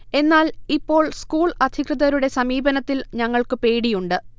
എന്നാൽ, ഇപ്പോൾ സ്കൂൾ അധികൃതരുടെ സമീപനത്തിൽ ഞങ്ങൾക്ക് പേടിയുണ്ട്